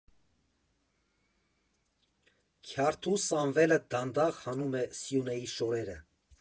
Քյարթու Սամվելը դանդաղ հանում է Սյունեի շորերը.